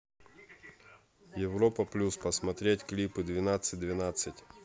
европа плюс смотреть клипы двадцать двадцать